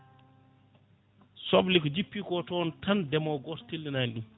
soble ko jippiko toon tan ndemowo goto tellinani ɗum